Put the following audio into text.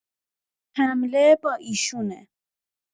حمله با ایشونه